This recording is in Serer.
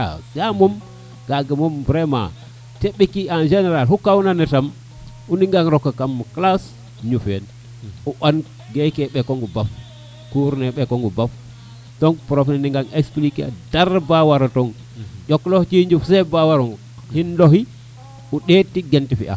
ca moom kaga moom vraiment te ɓeki en general oxu kaw na no sam o nangan rokan kam classe ñufeen o an geke ɓekong o baf cour ne ɓekoŋ o baf donc prof ne naga expliquer ang dara ba wara tong ƴook loox ciñof sax ba warong nan gilo xi o ndeet ken de fiya